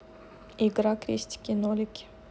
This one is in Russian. игра крестики нолики